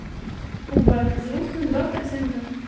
убавь звук на два процента